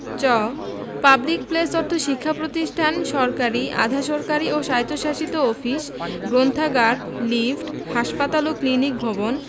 চ public place অর্থ শিক্ষা প্রতিষ্ঠান সরকারী আধা সরকারী ও স্বায়ত্তশাসিত অফিস গ্রন্থাগান লিফট হাসপাতাল ও ক্লিনিক ভবন